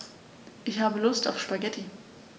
Ich habe Lust auf Spaghetti.